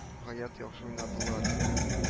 Гаять яхшы уйнадылар